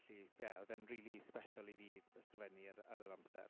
Felly ie, oedd e'n rili special i fi ysgrifennu ar ar yr amser.